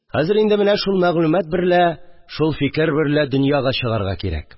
Хәзер инде менә шул мәгълүмат берлә, шул фикер берлә дөньяга чыгарга кирәк